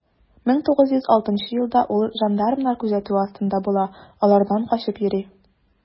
1906 елда ул жандармнар күзәтүе астында була, алардан качып йөри.